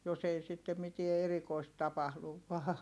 jos ei sitten mitään erikoista tapahdu vain